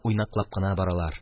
Уйнаклап кына баралар.